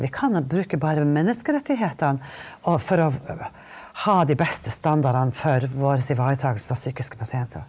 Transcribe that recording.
vi kan ha bruke bare menneskerettighetene og for å ha de beste standardene for vår ivaretagelse av psykiske pasienter.